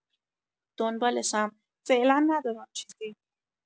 دنبالشم فعلا ندارم چیزی